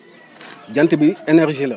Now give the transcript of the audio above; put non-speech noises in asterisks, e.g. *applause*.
*noise* jant bi énergie la